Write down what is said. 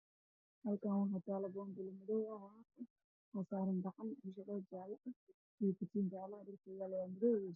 Halkan waxaa taallo boonbal madow ah iyo katii. Jaala ah iyo boombal qoorta usuran